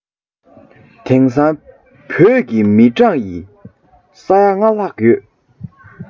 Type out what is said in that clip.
དེང སང བོད ཀྱི མི གྲངས ནི ས ཡ ལྔ ལྷག ཡོད